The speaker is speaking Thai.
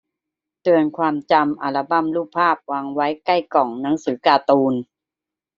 เตือนความจำอัลบัมรูปภาพวางไว้ใกล้กล่องหนังสือการ์ตูน